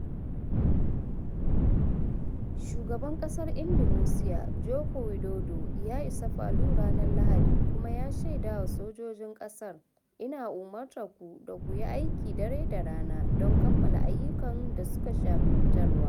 Shugaban kasar Indonesiya, Joko Widodo, ya isa Palu ranar Lahadi kuma ya shaidawa sojojin kasar: "Ina umurtar ku duka ku yi aiki dare da rana don kammala dukkan ayyukan da suka shafi fitarwa.